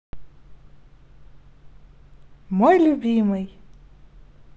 мой любимый